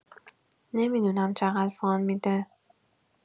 نمی‌دونم چقدر فاند می‌ده.